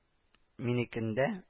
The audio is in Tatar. Минекендә